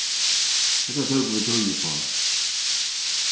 hetta tóku vit tíð uppá